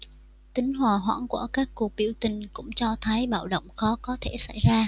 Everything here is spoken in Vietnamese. tính hòa hoãn của các cuộc biểu tình cũng cho thấy bạo động khó có thể xảy ra